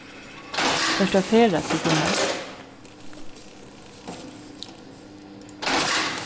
fert tú at ferðast í summar